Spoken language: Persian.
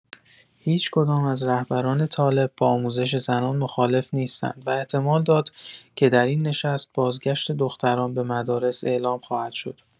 هیچ‌کدام از رهبران طالب با آموزش زنان مخالف نیستند و احتمال داد که در این نشست، بازگشت دختران به مدارس اعلام خواهد شد.